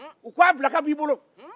u ko a bila ka bɔ i bolo